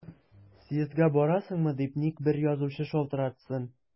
Съездга барасыңмы дип ник бер язучы шалтыратсын!